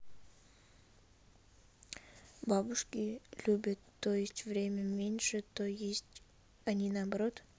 бабушки любят то есть время меньше то есть они наоборот